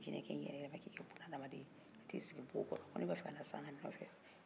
jinɛkɛ y'i yɛrɛ yɛlɛma ka kɛ bunahadamaden ye ka t'i sigi bugu kɔnɔ ko ne b'a fɛ ka na san lamin'aw fɛ